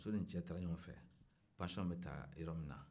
muso ni cɛ taara ɲɔgɔn fɛ pansiyɔn bɛ ta yɔrɔ minna